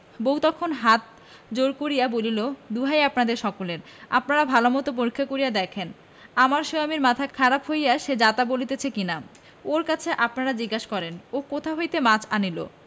বউ তখন হাত জোড় করিয়া বলিল দোহাই আপনাদের সকলের আপনারা ভালোমতো পরীক্ষা করিয়া দেখেন আমার সোয়ামীর মাথা খারাপ হইয়া সে যাতা' বলিতেছে কিনা ওর কাছে আপনারা জিজ্ঞাসা করেন ও কোথা হইতে মাছ আনিল